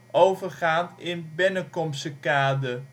overgaand in Bennekomsekade